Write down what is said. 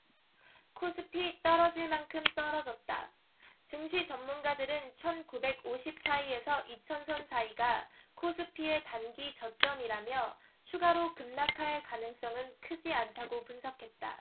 코스피 떨어질 만큼 떨어졌다증시 전문가들은 천 구백 오십 에서 이천 선 사이가 코스피의 단기 저점이라며 추가로 급락할 가능성은 크지 않다고 분석했다